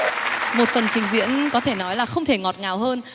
một phần trình diễn có thể nói là không thể ngọt ngào hơn